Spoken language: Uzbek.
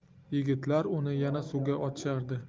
yigitlar uni yana suvga otishardi